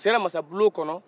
u sera masabulon kɔnɔ